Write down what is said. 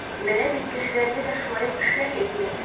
Менә бит кешеләргә дә шулай ук эшләргә кирәк.